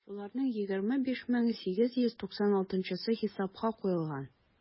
Шуларның 25 мең 896-сы хисапка куелган.